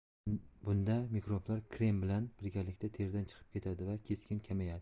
bunda mikroblar krem bilan birgalikda teridan chiqib ketadi va keskin kamayadi